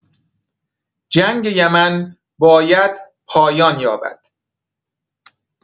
جنگ یمن باید پایان یابد.